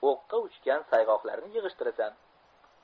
o'qq uchgan sayg'oqlarni yig'ishtirasan